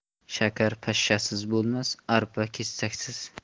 shakar pashshasiz bo'lmas arpa kesaksiz